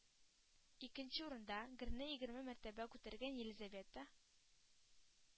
Икенче урында – герне егерме мәртәбә күтәргән Елизавета